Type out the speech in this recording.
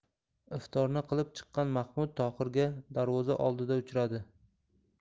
iftorni qilib chiqqan mahmud tohirga darvoza oldida uchradi